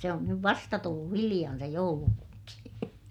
se on nyt vasta tullut hiljan se joulupukki